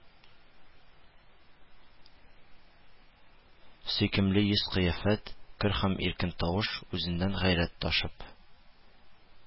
Сөйкемле йөз-кыяфәт, көр һәм иркен тавыш, үзеннән гайрәт ташып,